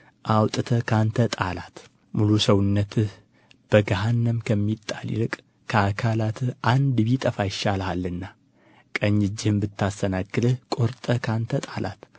አውጥተህ ከአንተ ጣላት ሙሉ ሰውነትህ በገሃነም ከሚጣል ይልቅ ከአካላትህ አንድ ቢጠፋ ይሻልሃልና ቀኝ እጅህም ብታሰናክልህ ቆርጠህ ከአንተ ጣላት